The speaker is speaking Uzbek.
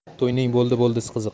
to'yning bo'ldi bo'ldisi qiziq